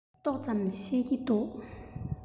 ཏོག ཙམ ཤེས ཀྱི འདུག